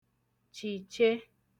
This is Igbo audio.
chìche